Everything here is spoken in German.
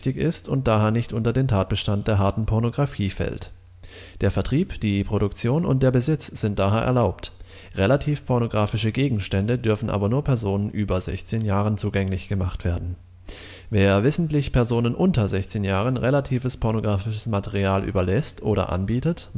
ist und daher nicht unter den Tatbestand der harten Pornografie fällt. Der Vertrieb, die Produktion und der Besitz sind daher erlaubt, relativ pornografische Gegenstände dürfen aber nur Personen über 16 Jahren zugänglich gemacht werden. Wer wissentlich Personen unter 16 Jahren relatives pornografisches Material überlässt oder anbietet